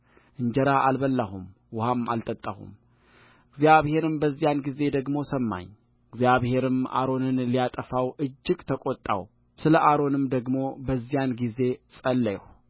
እንጀራ አልበላሁም ውኃም አልጠጣሁም እግዚአብሔርም በዚያን ጊዜ ደግሞ ሰማኝእግዚአብሔርም አሮንን ሊያጠፋው እጅግ ተቈጣው ስለ አሮንም ደግሞ በዚያን ጊዜ ጸለይሁ